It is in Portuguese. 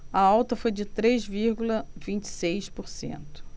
a alta foi de três vírgula vinte e sete por cento